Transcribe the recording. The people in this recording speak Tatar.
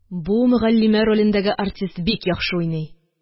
Бу мөгаллимә ролендәге артист бик яхшы уйный